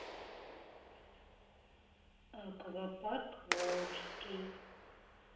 аквапарк волжский